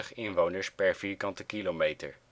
inwoners per vierkante kilometer